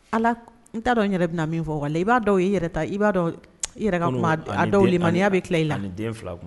Ala , n ta dɔn n yɛrɛ bi na min fɔ walayi i ba dɔn i yɛrɛ ka kuma a dɔnw limaniya bi kila i la. Ani den fila.